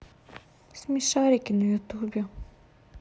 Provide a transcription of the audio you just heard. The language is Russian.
смешарики на ютубе